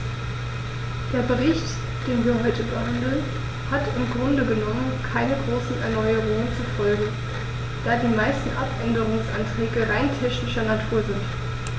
Der Bericht, den wir heute behandeln, hat im Grunde genommen keine großen Erneuerungen zur Folge, da die meisten Abänderungsanträge rein technischer Natur sind.